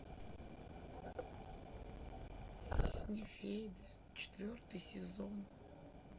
сеня федя четвертый сезон